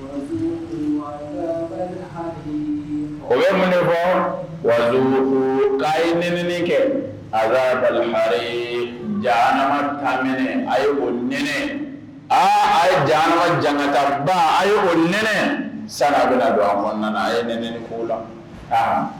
O bɛ mun de bɔ wa ye nen kɛ a balima jataa a ye o nɛnɛ aa a ye ja jankataba a ye o nɛnɛ sanbu don a ma nana a ye nɛnɛnɛ ko la aa